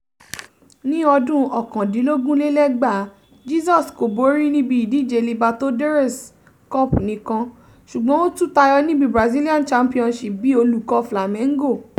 Ní ọdún 2019, Jesus kò borí níbi ìdíje Libertadores Cup nìkan, ṣùgbọ́n ó tún tayọ níbi Brazilian Championship bíi olùkọ́ Flamengo.